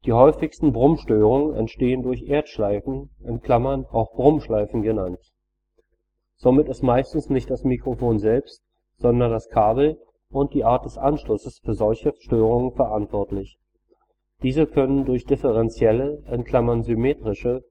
häufigsten Brummstörungen entstehen durch Erdschleifen (auch Brummschleifen genannt). Somit ist meistens nicht das Mikrofon selbst, sondern das Kabel und die Art des Anschlusses für solche Störungen verantwortlich. Diese können durch differenzielle (symmetrische